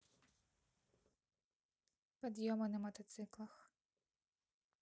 подъемы на мотоциклах